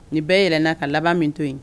Nin bɛɛ yɛlɛ nna ka laban min to yen